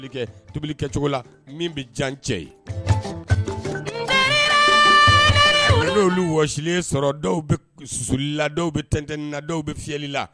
kɛ tobilikɛ cogo la min bɛ diya n cɛ ye, i b'olu wasilen sɔrɔ dɔw bɛ susuli la dɔw bɛ tɛntɛnni na dɔw bɛ fiyɛli la